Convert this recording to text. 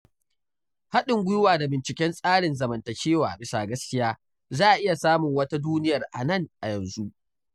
Haɗin gwiwa da binciken tsarin zamantakewa bisa gaskiya: za a iya samun wata duniyar a nan a yanzu.